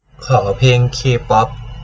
ขอเพลงเคป๊อป